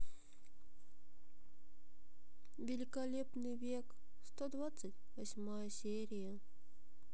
великолепный век сто двадцать восьмая серия